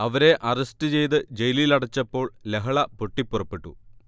അവരെ അറസ്റ്റ് ചെയ്ത് ജയിലിലടച്ചപ്പോൾ ലഹള പൊട്ടിപ്പുറപ്പെട്ടു